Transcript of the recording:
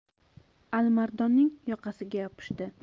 alimardonning yoqasiga yopishdi